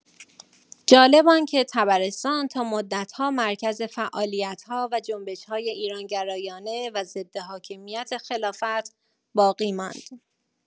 جالب آن‌که طبرستان تا مدت‌ها مرکز فعالیت‌ها و جنبش‌های ایران‌گرایانه و ضد حاکمیت خلافت باقی ماند.